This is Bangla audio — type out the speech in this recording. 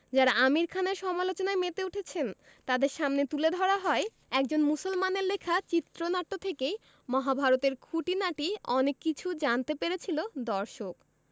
যাঁরা আমির খানের সমালোচনায় মেতে উঠেছেন তাঁদের সামনে তুলে ধরা হয় একজন মুসলমানের লেখা চিত্রনাট্য থেকেই মহাভারত এর খুঁটিনাটি অনেক কিছু জানতে পেরেছিল দর্শক